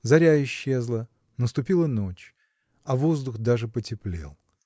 Заря исчезла; наступила ночь, а воздух даже потеплел.